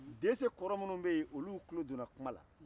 dɛsɛ kɔrɔ minnu bɛ ye olu da donna kuma na